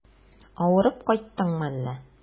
Авырып кайттыңмы әллә?